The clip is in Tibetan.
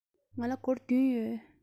ང ལ སྒོར བདུན ཡོད